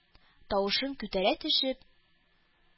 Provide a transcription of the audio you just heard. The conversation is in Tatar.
Тавышын күтәрә төшеп: